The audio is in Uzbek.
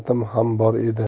niyatim ham bor edi